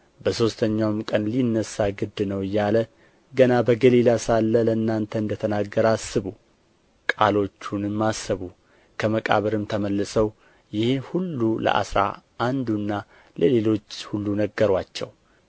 በሦስተኛውም ቀን ሊነሣ ግድ ነው እያለ ገና በገሊላ ሳለ ለእናንተ እንደ ተናገረ አስቡ ቃሎቹንም አሰቡ ከመቃብሩም ተመልሰው ይህን ሁሉ ለአሥራ አንዱና ለሌሎች ሁሉ ነገሩአቸው